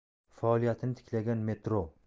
faoliyatini tiklagan metro